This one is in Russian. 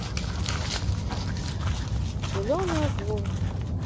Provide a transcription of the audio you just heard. зеленые волны